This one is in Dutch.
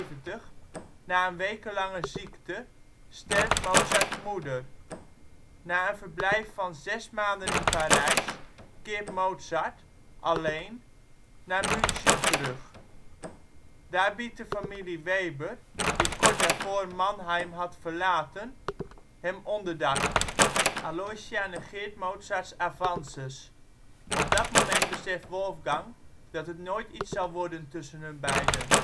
een wekenlange ziekte, sterft Mozarts moeder. Na een verblijf van zes maanden in Parijs keert Mozart, alleen, naar München terug. Daar biedt de familie Weber, die kort daarvoor Mannheim had verlaten, hem onderdak. Aloysia negeert Mozarts avances. Op dat moment beseft Wolfgang dat het nooit iets zal worden tussen hun beiden